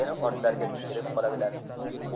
yana ortlariga tikilib qoladilar